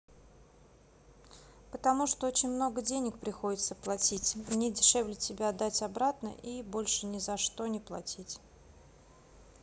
потому что очень много денег приходится платить мне дешевле тебя отдать обратно и больше ни за что не платить